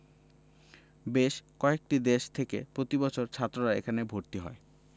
বেশ কয়েকটি দেশ থেকে প্রতি বছর ছাত্ররা এখানে ভর্তি হয়